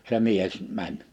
se mies meni